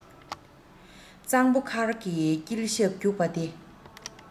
གཙང པོ མཁར གྱི དཀྱིལ ཞབས རྒྱུགས པ དེ